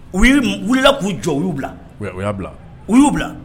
U' wulilala k'u jɔ u y'u bila u u y'a bila u y'u bila